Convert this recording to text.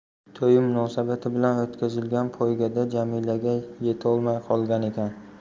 to'yi munosabati bilan o'tkazilgan poygada jamilaga yetolmay qolgan ekan